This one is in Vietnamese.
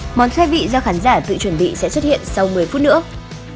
món khai vị do khán giả tự chuẩn bị sẽ xuất hiện sau mười phút nữa